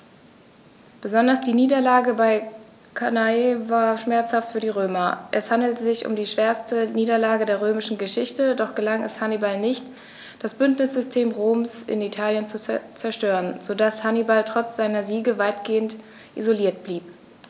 Besonders die Niederlage bei Cannae war schmerzhaft für die Römer: Es handelte sich um die schwerste Niederlage in der römischen Geschichte, doch gelang es Hannibal nicht, das Bündnissystem Roms in Italien zu zerstören, sodass Hannibal trotz seiner Siege weitgehend isoliert blieb.